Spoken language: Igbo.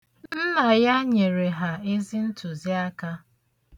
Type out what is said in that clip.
Nna ya nyere ha ezi ntụziaka.